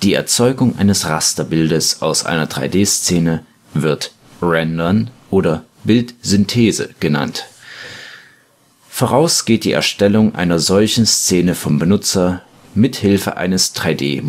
Erzeugung eines Rasterbildes aus einer 3D-Szene wird Rendern oder Bildsynthese genannt. Voraus geht die Erstellung einer solchen Szene vom Benutzer mit Hilfe eines 3D-Modellierungswerkzeugs